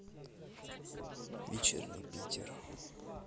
вечерний питер